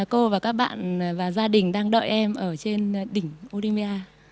cô và các bạn và gia đình đang đợi em ở trên đỉnh ô lim pi a